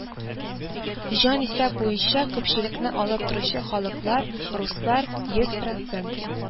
Җанисәп буенча күпчелекне алып торучы халыклар: руслар (100%)